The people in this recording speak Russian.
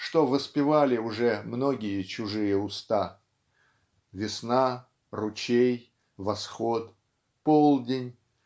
что воспевали уже многие чужие уста. Весна ручей восход полдень